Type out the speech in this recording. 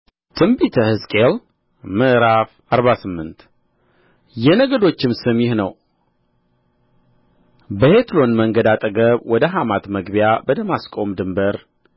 በትንቢተ ሕዝቅኤል ምዕራፍ አርባ ስምንት የነገዶችም ስም ይህ ነው በሔትሎን መንገድ አጠገብ ወደ ሐማት መግቢያ በደማስቆም ድንበር